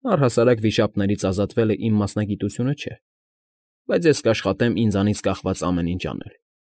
Առհասարակ վիշապներից ազատվելը իմ մասնագիտությունը չէ, բայց ես կաշխատեմ ինձնից կախված ամեն ինչ անել։